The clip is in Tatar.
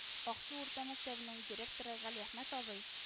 Аксу урта мәктәбенең директоры Галиәхмәт абый (